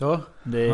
Do, yndi.